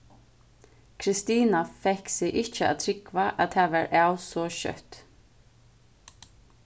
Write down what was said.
kristina fekk seg ikki at trúgva at tað var av so skjótt